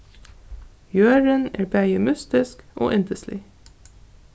jørðin er bæði mystisk og yndislig